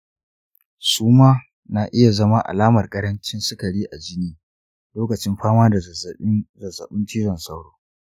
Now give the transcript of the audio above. suma na iya zama alamar ƙarancin sukari a jini lokacin fama da zazzabin zazzabin cizon sauro.